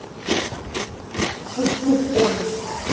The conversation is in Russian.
пук пук ой